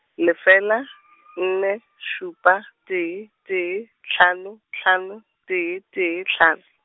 lefela , nne, šupa, tee, tee, hlano, hlano, tee, tee, hlano.